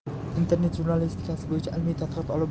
internet jurnalistikasi bo'yicha ilmiy tadqiqot olib